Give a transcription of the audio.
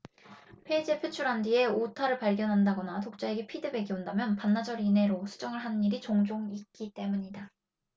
페이지에 표출한 뒤에 오타를 발견한다거나 독자에게 피드백이 온다면 반나절 이내로 수정을 하는 일이 종종 있기 때문이다